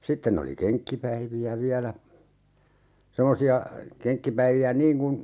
sitten oli kenkkipäiviä vielä semmoisia kenkkipäiviä niin kuin